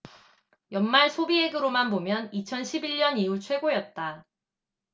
연말 소비액으로만 보면 이천 십 일 년 이후 최고였다